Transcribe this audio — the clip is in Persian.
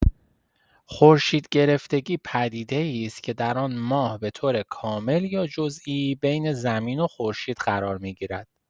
خورشیدگرفتگی پدیده‌ای است که در آن ماه به‌طور کامل یا جزئی بین زمین و خورشید قرار می‌گیرد.